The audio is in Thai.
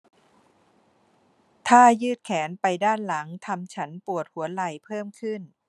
ท่ายืดแขนไปด้านหลังทำฉันปวดหัวไหล่เพิ่มขึ้น